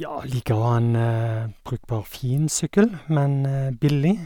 ja, liker å ha en brukbar fin sykkel, men billig.